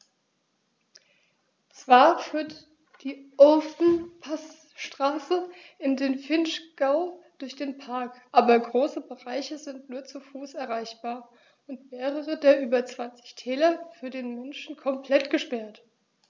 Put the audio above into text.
Zwar führt die Ofenpassstraße in den Vinschgau durch den Park, aber große Bereiche sind nur zu Fuß erreichbar und mehrere der über 20 Täler für den Menschen komplett gesperrt.